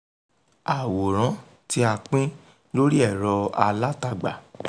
Àwòrán tí a pín lórí ẹ̀rọ-alátagbà.